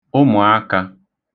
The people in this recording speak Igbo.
ụmụ̀akā